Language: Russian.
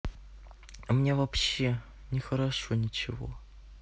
а мне вообще нехорошо ничего